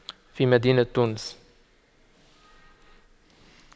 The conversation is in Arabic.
في مدينة تونس